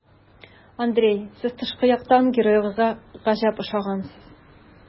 Андрей, сез тышкы яктан героегызга гаҗәп охшагансыз.